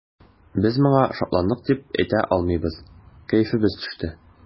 Без моңа шатландык дип әйтә алмыйбыз, кәефебез төште.